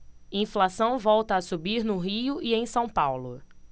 inflação volta a subir no rio e em são paulo